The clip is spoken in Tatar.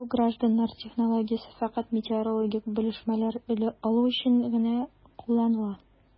Бу гражданнар технологиясе фәкать метеорологик белешмәләр алу өчен генә кулланыла...